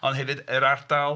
Ond hefyd yr ardal.